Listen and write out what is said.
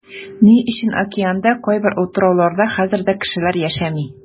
Ни өчен океанда кайбер утрауларда хәзер дә кешеләр яшәми?